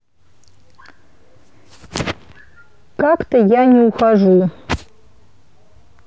как то я не ухожу